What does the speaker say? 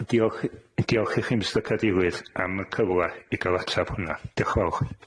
Diolch- yy diolch ichi Mistyr Cadeirydd am y cyfle i ga'l atab hwn'na. Diolch yn fawr.